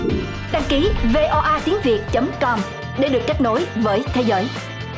đăng ký vê o a tiếng việt chấm com để được kết nối với thế giới